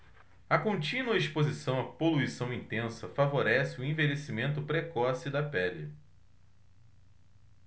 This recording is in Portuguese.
a contínua exposição à poluição intensa favorece o envelhecimento precoce da pele